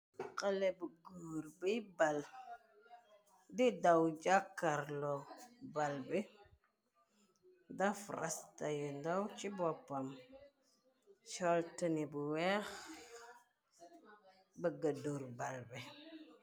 Xale bu goor biy bal di daw jàkkarlo bal bi, daf rasta yu ndaw ci boppam bi sol tenee bu weex bëgga dur bal bi.